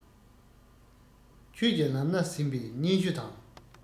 ཆོས ཀྱི ལམ སྣ ཟིན པའི སྙན ཞུ དང